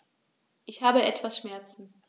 Ich habe etwas Schmerzen.